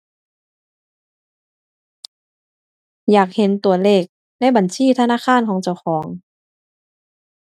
อยากเห็นตัวเลขในบัญชีธนาคารของเจ้าของ